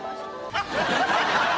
bạn là